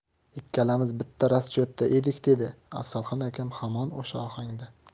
ikkalamiz bitta raschyotda edik dedi afzalxon akam hamon o'sha ohangda